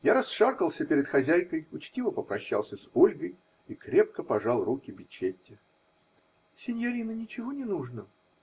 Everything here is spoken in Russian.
Я расшаркался перед хозяйкой, учтиво попрощался с Ольгой и крепко пожал руку Бичетте. -- Синьорино ничего не нужно?